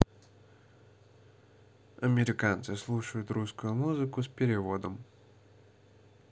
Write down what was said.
американцы слушают русскую музыку с переводом